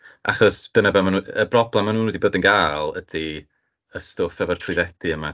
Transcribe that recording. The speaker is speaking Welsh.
Achos dyna be maen nhw... y broblem maen nhw wedi bod yn gael ydy y stwff efo'r trwyddedi yma.